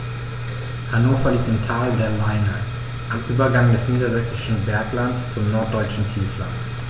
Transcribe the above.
Hannover liegt im Tal der Leine am Übergang des Niedersächsischen Berglands zum Norddeutschen Tiefland.